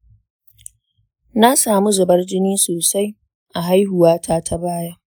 na samu zubar jini sosai a haihuwa ta ta baya